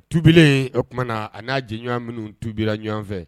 Tubi o tumaumana na a n'a jɛɲɔgɔn minnu tubi ɲɔgɔn fɛ